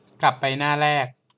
กลับไปหน้าแรก